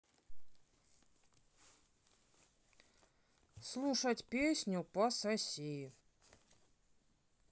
слушать песню пососи